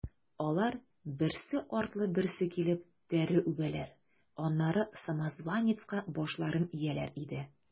Алар, берсе артлы берсе килеп, тәре үбәләр, аннары самозванецка башларын ияләр иде.